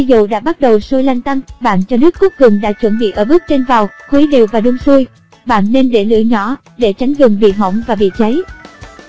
khi dầu đã bắt đầu sôi lăn tăn bạn cho nước cốt gừng đã chuẩn bị ở bước trên vào khuấy đều và đun sôi bạn nên để lửa nhỏ để tránh gừng bị hỏng và bị cháy